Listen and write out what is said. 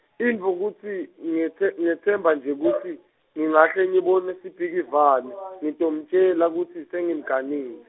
intfo kutsi ngiyetse- ngitsemba nje kutsi, ngingahle ngibone Sibhikivane, ngitomtjela kutsi, sengimganile.